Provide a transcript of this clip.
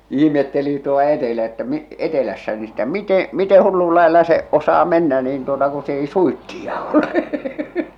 ihmetteli tuolla - että etelässä niin sitä miten miten hullun lailla se osaa mennä niin tuota kun se ei suitsia ole